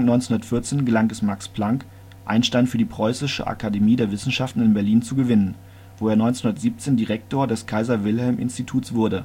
1914 gelang es Max Planck, Einstein für die Preußische Akademie der Wissenschaften in Berlin zu gewinnen, wo er 1917 Direktor des Kaiser-Wilhelm-Instituts wurde.